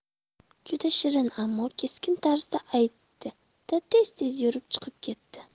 juda shirin ammo keskin tarzda aytdi da tez tez yurib chiqib ketdi